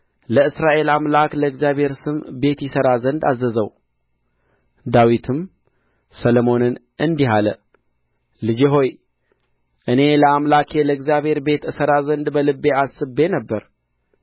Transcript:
ለእስራኤል አምላክ ለእግዚአብሔር ስም ቤት ይሠራ ዘንድ አዘዘው ዳዊትም ሰሎሞንን እንዲህ አለ ልጄ ሆይ እኔ ለአምላኬ ለእግዚአብሔር ቤት እሠራ ዘንድ በልቤ አስቤ ነበር